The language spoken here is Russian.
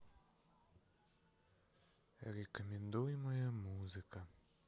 рекомендуемая музыка